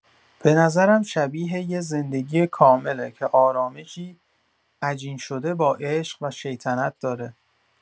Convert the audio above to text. به نظرم شبیه یه زندگی کامله که آرامشی عجین شده با عشق و شیطنت داره.